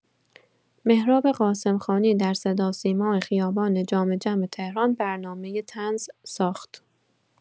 مهراب قاسم‌خانی در صدا و سیما خیابان جام‌جم تهران برنامه طنز ساخت.